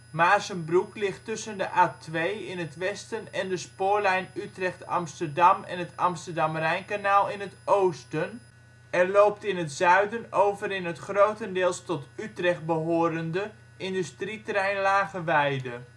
Maarssenbroek ligt tussen de A2 in het westen en de spoorlijn Utrecht-Amsterdam en het Amsterdam-Rijnkanaal in het oosten, en loopt in het zuiden over in het grotendeels tot Utrecht behorende industrieterrein Lage Weide